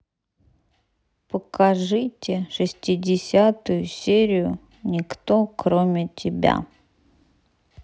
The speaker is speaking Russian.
покажите шестидесятую серию никто кроме тебя